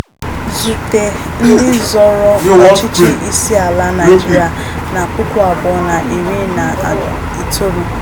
Zùté ndị zọrọ ọchịchị isi ala Naịjirịa na 2019.